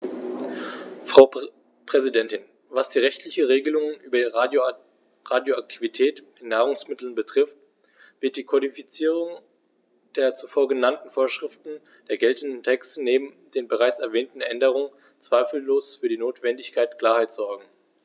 Frau Präsidentin, was die rechtlichen Regelungen über Radioaktivität in Nahrungsmitteln betrifft, wird die Kodifizierung der zuvor genannten Vorschriften der geltenden Texte neben den bereits erwähnten Änderungen zweifellos für die notwendige Klarheit sorgen.